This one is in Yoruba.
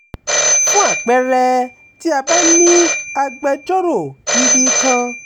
Fún àpẹẹrẹ, tí a bá ní agbẹjọ́rò gidi kan.